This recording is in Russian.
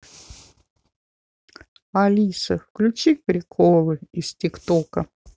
алиса включи приколы из тик тока